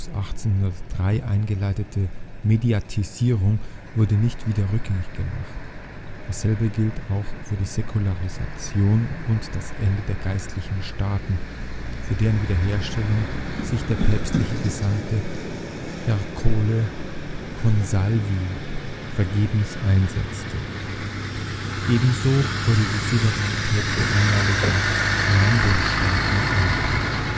1803 eingeleitete Mediatisierung wurde nicht wieder rückgängig gemacht. Dasselbe gilt auch für die Säkularisation und das Ende der geistlichen Staaten, für deren Wiederherstellung sich der päpstliche Gesandte Ercole Consalvi vergebens einsetzte. Ebenso wurde die Souveränität der ehemaligen Rheinbundstaaten anerkannt